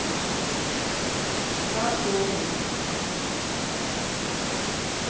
Շատ գոհ ենք։